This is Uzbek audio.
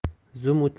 zum o'tmay odamlar